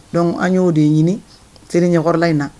Dɔnku an y'o de ɲini teri ɲkɔrɔla in na